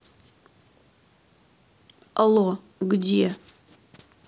алло где